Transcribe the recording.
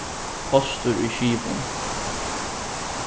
ostur í skivum